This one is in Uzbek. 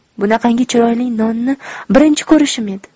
bunaqangi chiroyli nonni birinchi ko'rishim edi